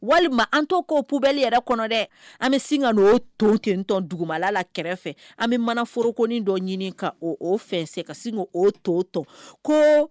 Walima an to ko ppbli yɛrɛ kɔnɔ dɛ an bɛ sin ka nton ten dugumala la kɛrɛfɛ an bɛ mana foroorokin dɔ ɲini ka o fɛn ka sin o t tɔn ko